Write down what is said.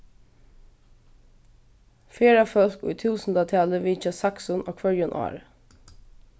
ferðafólk í túsundatali vitja saksun á hvørjum ári